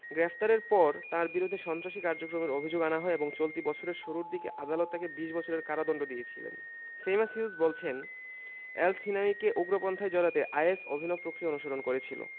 গ্রেপ্তারের পর তাঁর বিরুদ্ধে সন্ত্রাসী কার্যক্রমের অভিযোগ আনা হয় এবং চলতি বছরের শুরুর দিকে আদালত তাকে ২০ বছরের কারাদণ্ড দিয়েছেন সেইমাস হিউজ বলছেন এলসহিনাউয়িকে উগ্রপন্থায় জড়াতে আইএস অভিনব প্রক্রিয়া অনুসরণ করেছিল